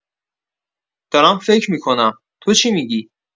دارم فکر می‌کنم، تو چی می‌گی؟